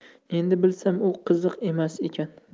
endi bilsam u qiziq emas ekan